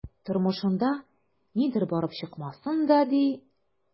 Тормышында нидер барып чыкмасын да, ди...